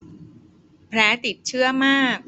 แผลติดเชื้อมาก